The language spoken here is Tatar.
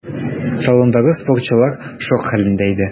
Салондагы спортчылар шок хәлендә иде.